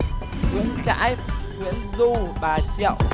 nguyễn trãi nguyễn du bà triệu